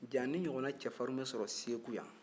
jaa nin ɲɔgɔnna cɛfarinw bɛ sɔrɔ segu yan